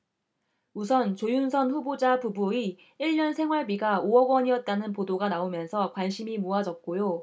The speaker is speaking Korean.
우선 조윤선 후보자 부부의 일 년 생활비가 오 억 원이었다는 보도가 나오면서 관심이 모아졌고요